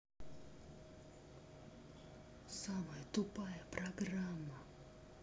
самая тупая программа